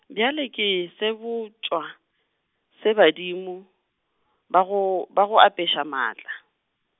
bjale ke sebotšwa, se badimo, ba go, ba go apeša maatla.